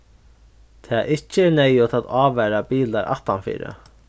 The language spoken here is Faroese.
tað ikki er neyðugt at ávara bilar aftanfyri